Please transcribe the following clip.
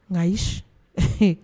Nka ayi